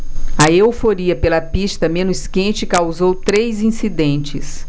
a euforia pela pista menos quente causou três incidentes